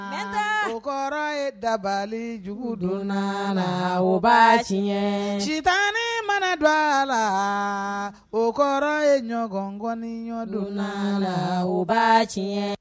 Mɛ tɛ o kɔrɔ ye dabalijugu don la ba tiɲɛ sita mana don a la o kɔrɔ ye ɲɔgɔnkɔni ɲɔgɔn don la ba tiɲɛ